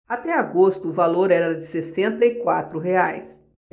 até agosto o valor era de sessenta e quatro reais